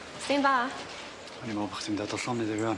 'R un fath. O'n i'n me'wl bo' chdi'n mynd i adal llonydd i fi ŵan.